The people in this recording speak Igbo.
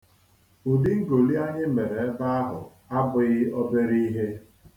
Udi ngoli anyị mere ebe ahụ abụghị obere ihe.